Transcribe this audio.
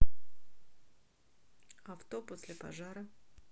авто после пожара